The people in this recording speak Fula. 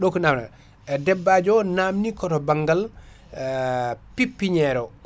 ɗo ko namdal debbajo namni koto ganddal pipiñere o